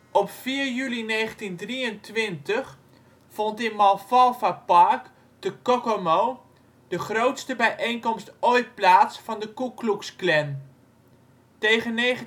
Op 4 juli 1923 vond in Malfalfa Park te Kokomo de grootste bijeenkomst ooit plaats van de Ku Klux Klan. Tegen 1928